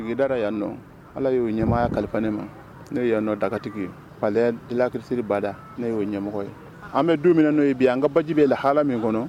Yan nɔ ala y'o ɲɛmaya ne ma ne yan nɔ daga dilanki kisi bada ne y'o ɲɛmɔgɔ ye an bɛ dumuni min' bi an ka bajibi bɛ la ha min kɔnɔ